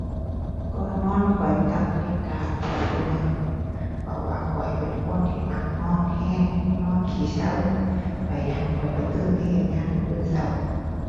ก่อนนอนข้อยตั้งนาฬิกาปลุกซุมื้อ เพราะว่าข้อยเป็นคนที่มักนอนแรง นอนขี้เซา ข้อยย้านข้อยบ่ตื่นไปเฮ็ดงานมื้ออื่นแรง